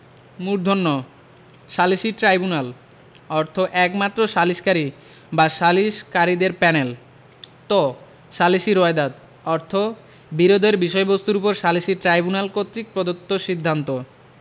ণ সালিসী ট্রাইব্যুনাল অর্থ একমাত্র সালিসকারী বা সালিসকারীদের প্যানেল ত সালিসী রোয়েদাদ অর্থ বিরোধের বিষয়বস্তুর উপর সালিসী ট্রাইব্যুনাল কর্তৃক প্রদত্ত সিদ্ধান্ত